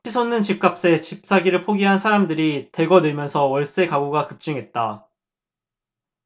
치솟은 집값에 집사기를 포기한 사람들이 대거 늘면서 월세 가구가 급증했다